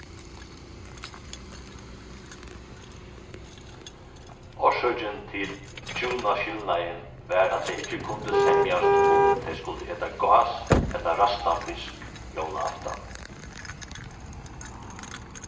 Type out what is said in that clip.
orsøkin til hjúnaskilnaðin var at tey ikki kundu semjast um tey skuldu eta gás ella ræstan fisk jólaaftan